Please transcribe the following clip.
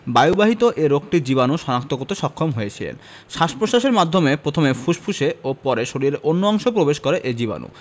বায়ুবাহিত এ রোগটির জীবাণু চিহ্নিত করতে সক্ষম হয়েছিলেন শ্বাস প্রশ্বাসের মাধ্যমে প্রথমে ফুসফুসে ও পরে শরীরের অন্য অংশেও প্রবেশ করে এ জীবাণু